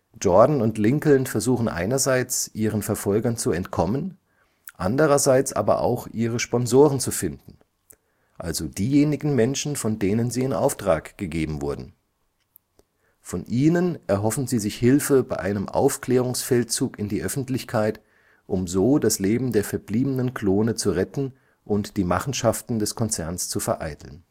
Jordan und Lincoln versuchen einerseits, ihren Verfolgern zu entkommen, andererseits aber auch, ihre Sponsoren zu finden – also diejenigen Menschen, von denen sie in Auftrag gegeben wurden. Von ihnen erhoffen sie sich Hilfe bei einem Aufklärungsfeldzug in die Öffentlichkeit, um so das Leben der verbliebenen Klone zu retten und die Machenschaften des Konzerns zu vereiteln